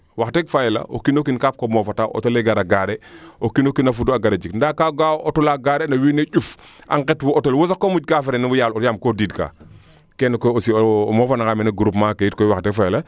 wax deg fa yala o kiino kiin ka xeet ko moofa auto le gara gaare o kiino kiina fudu a gar jik nda ga'a auto "laa a garer na wiin we njuf a ngetwo auto le wo sax ko moƴka freiner oox yaam ko diid kaa kene aussi o moofa nanga mene groupement me ke yit koiy wax deg fa yala